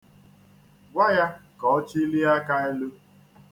Gwa ya ka ọ chịlie aka elu.